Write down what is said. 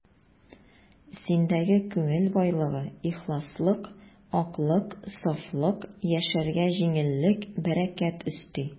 Синдәге күңел байлыгы, ихласлык, аклык, сафлык яшәргә җиңеллек, бәрәкәт өсти.